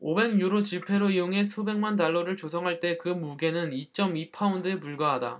오백 유로 지폐로 이용해 수백만 달러를 조성할 때 그 무게는 이 쩜 이 파운드에 불과하다